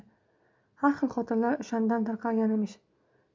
har xil xotinlar o'shandan tarqalgan emish